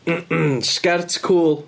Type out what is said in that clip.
Sgert cwl.